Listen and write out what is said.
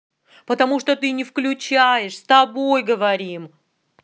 потому что ты не включаешь с тобой говорим